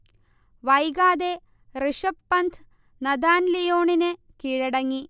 വൈകാതെ ഋഷഭ് പന്ത് നഥാൻ ലിയോണിന് കീഴടങ്ങി